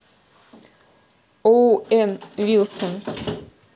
оуэн вилсон